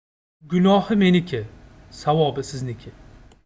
gunohi meniki savobi sizniki